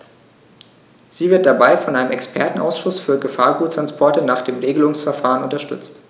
Sie wird dabei von einem Expertenausschuß für Gefahrguttransporte nach dem Regelungsverfahren unterstützt.